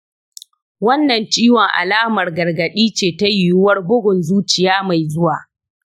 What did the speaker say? wannan ciwon alamar gargaɗi ce ta yiwuwar bugun zuciya mai zuwa.